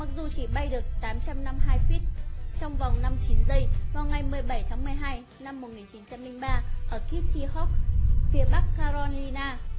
mặc dù chỉ bay được feet trong vòng giây vào ngày tháng ở kitty hawk north carolina